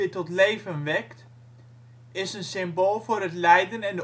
tot leven wekt is een symbool voor het lijden en